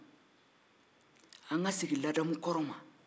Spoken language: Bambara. an ka segin ladamu kɔrɔ ma